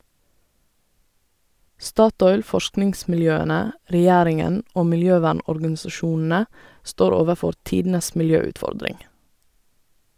Statoil, forskningsmiljøene, regjeringen og miljøvernorganisasjonene står overfor tidenes miljøutfordring.